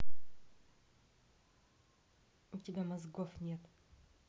у тебя мозгов нет